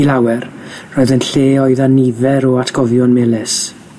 I lawer, roedd yn lle oedd â nifer o atgofion melys.